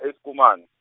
e- Schoeman.